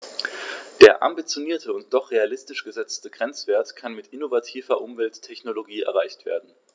Der ambitionierte und doch realistisch gesetzte Grenzwert kann mit innovativer Umwelttechnologie erreicht werden.